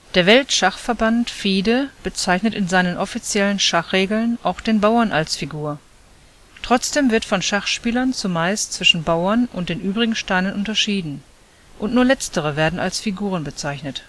Der Weltschachverband FIDE bezeichnet in seinen offiziellen Schach-Regeln auch den Bauern als „ Figur “, trotzdem wird von Schachspielern zumeist zwischen Bauern und den übrigen Steinen unterschieden, und nur letztere werden als Figuren bezeichnet